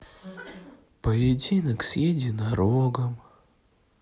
поединок с единорогом